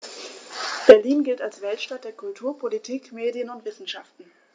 Berlin gilt als Weltstadt der Kultur, Politik, Medien und Wissenschaften.